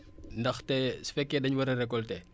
ndaxte su fekkee dañ war a récolter